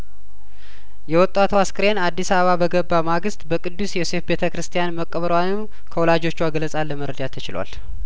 የወጣቷ አስክሬን አዲስአባ በገባ ማግስት በቅዱስ ዮሴፍ ቤተ ክርስቲያን መቀበሯንም ከወላጆቿ ገለጻ ለመረዳት ተችሏል